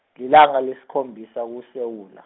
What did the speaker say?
lilanga lesikhombisa kuSewula.